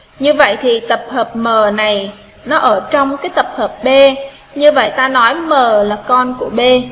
như vậy thì tập hợp m này nó ở trong cái tập hợp b như vậy ta nói m là con của b